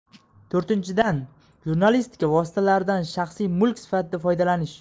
to'rtinchidan jurnalistika vositalaridan shaxsiy mulk sifatida foydalanish